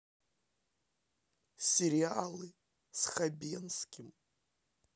сериалы с хабенским